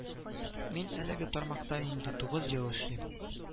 Мин әлеге тармакта инде тугыз ел эшлим